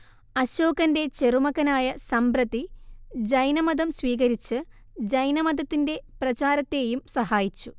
അശോകന്റെ ചെറുമകനായ സമ്പ്രതി ജൈനമതം സ്വീകരിച്ച് ജൈനമതത്തിന്റെ പ്രചാരത്തേയും സഹായിച്ചു